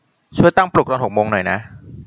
ช่วยตั้งปลุกตอนหกโมงหน่อยนะ